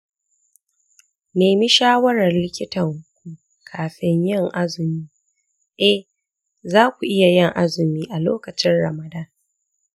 nemi shawarar likitanku kafin yin azumi/eh, za ku iya yin azumi a lokacin ramadan